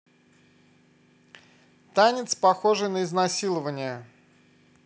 танец похожий на изнасилование